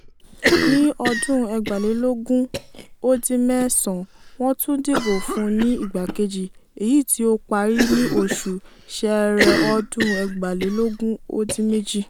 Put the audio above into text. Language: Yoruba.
Ní ọdún 2011, wọ́n tún dìbò fún un ní ìgbà kejì, èyí tí ó parí ní oṣù Ṣẹ́ẹ́rẹ́ ọdún 2018.